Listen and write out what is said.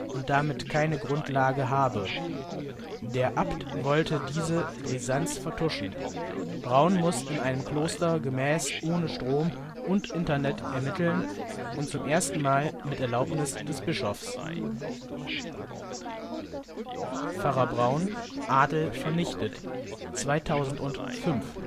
und damit keine Grundlage habe. Der Abt wollte diese Brisanz vertuschen. Braun muss in einem Kloster gemäß ohne Strom und Internet ermitteln und zum ersten Mal mit Erlaubnis des Bischofs. Pfarrer Braun - Adel vernichtet (2005